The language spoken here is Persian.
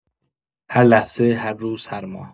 هر لحظه، هر روز، هر ماه